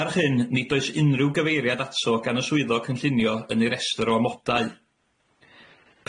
Serch hyn, nid oes unrhyw gyfeiriad ato gan y swyddog cynllunio yn ei restr o amodau.